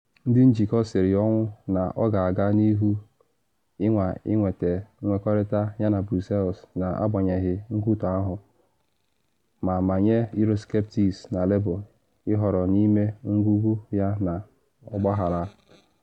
Ndị njikọ siri ọnwụ na ọ ga-aga n’ihu ịnwa ịnweta nkwekọrịta yana Brussels na agbanyeghị nkwutọ ahụ - ma manye Eurosceptics na Labour ịhọrọ n’ime ngwungwu ya na ‘ọgbaghara’.